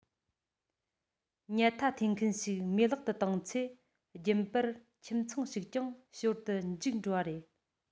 ཉལ ཐ འཐེན མཁན ཞིག མེད བརླག ཏུ བཏང ཚེ རྒྱུན པར ཁྱིམ ཚང ཞིག ཀྱང ཞོར དུ འཇིགས འགྲོ བ རེད